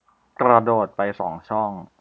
กระโดดไปสองช่อง